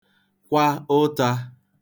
kwa ụtā